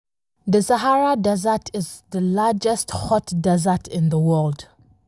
The Sahara Desert is the largest hot desert in the world.